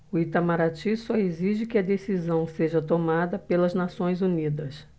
o itamaraty só exige que a decisão seja tomada pelas nações unidas